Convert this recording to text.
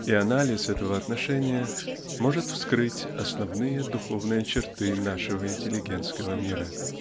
и анализ этого отношения может вскрыть основные духовные черты нашего интеллигентского мира.